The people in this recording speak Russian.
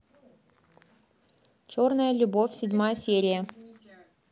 черная любовь седьмая серия